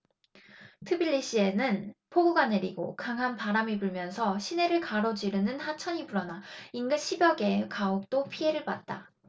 트빌리시에는 폭우가 내리고 강한 바람이 불면서 시내를 가로지르는 하천이 불어나 인근 십 여 개 가옥도 피해를 봤다